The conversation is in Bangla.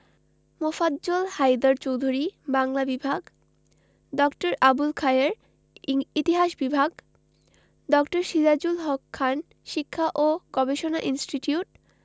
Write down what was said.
মোফাজ্জল হায়দার চৌধুরী বাংলা বিভাগ ড. আবুল খায়ের ইতিহাস বিভাগ ড. সিরাজুল হক খান শিক্ষা ও গবেষণা ইনস্টিটিউট